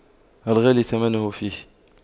الغالي ثمنه فيه